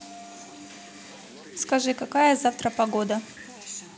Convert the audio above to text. скажи какая завтра погода